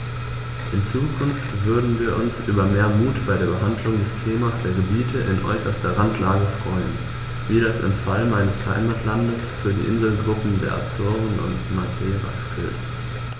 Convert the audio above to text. In Zukunft würden wir uns über mehr Mut bei der Behandlung des Themas der Gebiete in äußerster Randlage freuen, wie das im Fall meines Heimatlandes für die Inselgruppen der Azoren und Madeiras gilt.